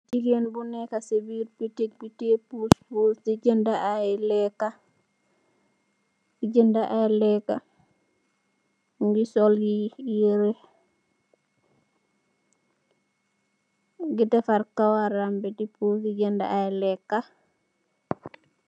Gigeen bu nekka ci biir bitik bi teyeh puss puss, di janda ay lekka, mu ngi sol yirèh defarr kawaram bi.